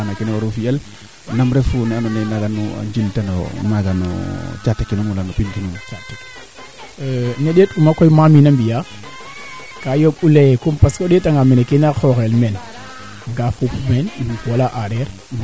kaa te leyoonge o qol le kaa waro maase o buga nga o duufa nga te jeg kaa waro maase leŋ to a wara waago xaand soite ko yiptkan engrais soit te refka suqi wala naak kaaga ka waro jeg no qol le soite te ref ndaxar kee ando naye kaa dosa kamo qol le aussi